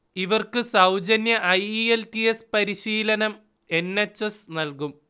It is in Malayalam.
ഇവർക്ക് സൗജന്യ I. E. L. T. S പരിശീലനം എൻ. എച്ച്. എസ് നൽകും